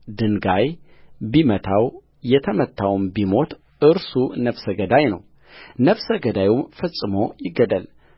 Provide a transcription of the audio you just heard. ድንጋይ ቢመታው የተመታውም ቢሞት እርሱ ነፍሰ ገዳይ ነው ነፍሰ ገዳዩም ፈጽሞ ይገደል